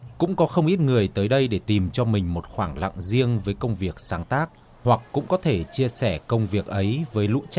cũng có không ít người tới đây để tìm cho mình một khoảng lặng riêng với công việc sáng tác hoặc cũng có thể chia sẻ công việc ấy với lũ trẻ